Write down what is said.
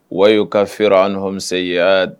Wa y' ka feere anɔmisɛn ye